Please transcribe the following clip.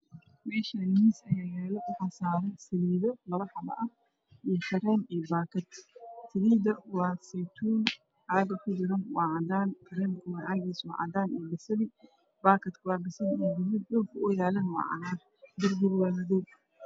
Meeshani miis ayaa yaalo waxaa saaran saliido labo xabo ah iyo gareen iyo baakad salida waq saytuun caaga kujiro waa cadaan karemku noocadisu waa cadaan iyo basale baakadku waa basalo iyo gudud dhulka uyaalana waa. Cagaar